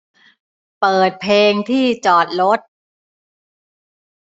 เปิดเพลงที่จอดรถ